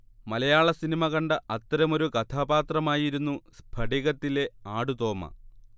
മലയാളസിനിമ കണ്ട അത്തരമൊരു കഥാപാത്രമായിരുന്നു 'സ്ഫടിക'ത്തിലെ ആടുതോമ